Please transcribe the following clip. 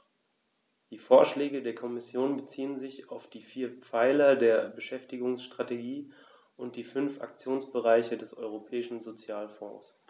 Die Vorschläge der Kommission beziehen sich auf die vier Pfeiler der Beschäftigungsstrategie und die fünf Aktionsbereiche des Europäischen Sozialfonds.